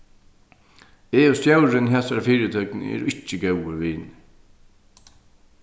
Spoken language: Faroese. eg og stjórin í hasari fyritøkuni eru ikki góðir vinir